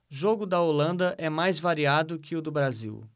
jogo da holanda é mais variado que o do brasil